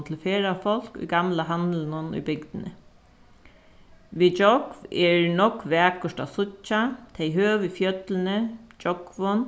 til ferðafólk í gamla handlinum í bygdini við gjógv er nógv vakurt at síggja tey høgu fjøllini gjógvin